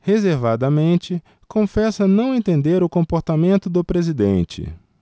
reservadamente confessa não entender o comportamento do presidente